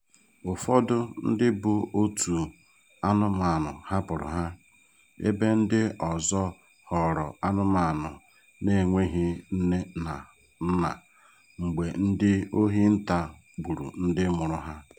Ụfọdụ ndị bụ òtù anụmanụ hapụrụ ha, ebe ndị ọzọ ghọrọ anụmanụ n'enweghị nne na nna mgbe ndị ohi nta gburu ndị mụrụ ha.